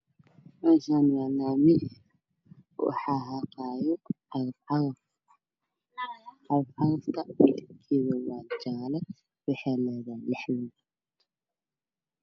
Meshan waa lami waxa xaqaya cagafcagaf midabkedan waa jale waxey ledahay lex lugod